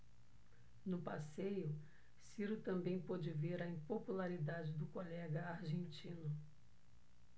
no passeio ciro também pôde ver a impopularidade do colega argentino